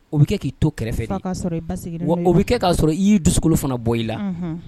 O be kɛ ki to kɛrɛfɛ. Fa ka sɔrɔ i basigilen bɛ. Wa o be kɛ ka sɔrɔ i ye i dusukolo fana bɔ i la